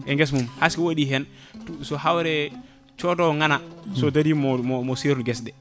e guesa mum hayso ko waɗi hen so hawre coodowo ngana so darima mo o serdu gueseɗe